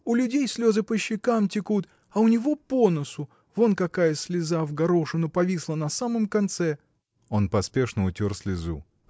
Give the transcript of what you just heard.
У людей слезы по щекам текут, а у него по носу: вон какая слеза, в горошину, повисла на самом конце!. Он поспешно утер слезу.